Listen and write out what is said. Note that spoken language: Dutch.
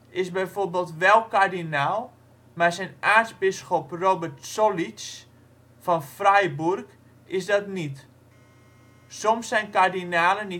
is bijvoorbeeld wél kardinaal, maar zijn aartsbisschop Robert Zollitsch van Freiburg is dat niet. Soms zijn kardinalen